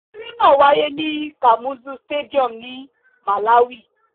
Eré náà wáyé ní Kamuzu Stadium ní Malawi.